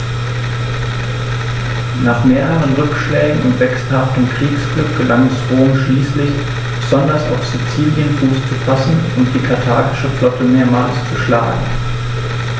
Nach mehreren Rückschlägen und wechselhaftem Kriegsglück gelang es Rom schließlich, besonders auf Sizilien Fuß zu fassen und die karthagische Flotte mehrmals zu schlagen.